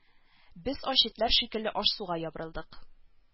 Без ач этләр шикелле аш-суга ябырылдык